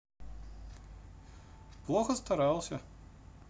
плохо старался